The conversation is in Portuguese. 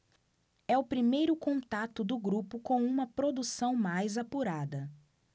é o primeiro contato do grupo com uma produção mais apurada